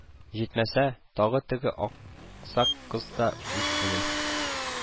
Җитмәсә, тагы теге ак сак кыз да: "Үз энем